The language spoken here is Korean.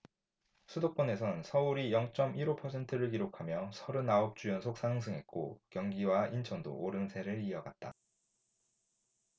수도권에선 서울이 영 쩜 일 오 퍼센트를 기록하며 서른 아홉 주 연속 상승했고 경기와 인천도 오름세를 이어갔다